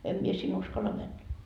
en minä sinne uskalla mennä